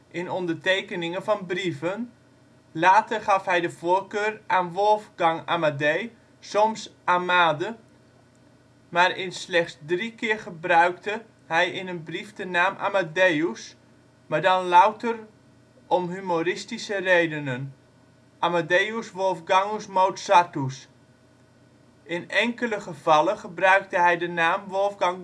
in ondertekeningen van brieven; later gaf hij de voorkeur aan Wolfgang Amadé, soms Amade, maar in slechts drie keer gebruikte hij in een brief de naam Amadeus, maar dan louter om humoristische redenen (' Amadeus Wolfgangus Mozartus '). In enkele gevallen gebruikte hij de naam Wolfgang